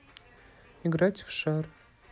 играть в шар